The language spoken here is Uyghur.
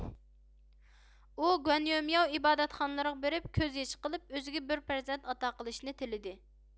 ئۇ گۇەنيۆمياۋ ئىبادەتخانىلىرىغا بېرىپ كۆز يېشى قىلىپ ئۆزىگە بىر پەرزەنت ئاتا قىلىشنى تىلىدى